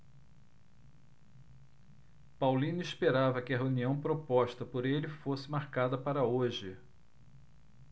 paulino esperava que a reunião proposta por ele fosse marcada para hoje